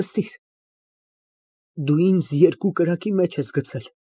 Նստիր։ (Նստում է աջ կողմի բազկաթոռի վրա)։ Դու ինձ երկու կրակի մեջ ես գցել։